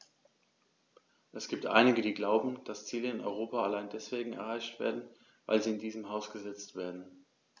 Es gibt einige, die glauben, dass Ziele in Europa allein deswegen erreicht werden, weil sie in diesem Haus gesetzt werden.